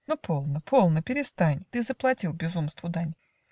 Но полно, полно; перестань: Ты заплатил безумству дань.